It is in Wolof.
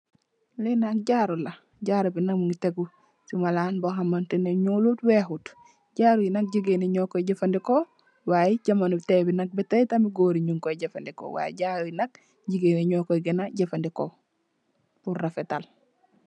Lee nak jaaru la jaaru be muge tegeh se malan bu hamne nuulut weexhut jaaru yu nak jegain ye nukoy jefaneku y jamano taye be ba taye goor ye nug kuye jefaneku y jaaru ye nak jegain ye nukoy gena jefaneku purr refetal.